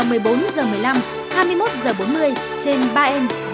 mười bốn giờ mười lăm hai mươi mốt giờ bốn mươi trên ba em